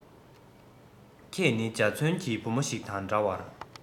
ཁྱེད ནི འཇའ ཚོན གྱི བུ མོ ཞིག དང འདྲ བར